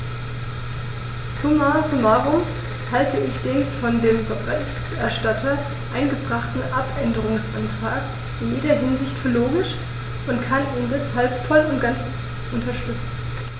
Summa summarum halte ich den von dem Berichterstatter eingebrachten Abänderungsantrag in jeder Hinsicht für logisch und kann ihn deshalb voll und ganz unterstützen.